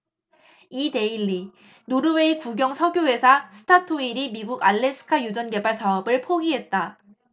이데일리 노르웨이 국영석유회사 스타토일이 미국 알래스카 유전개발 사업을 포기했다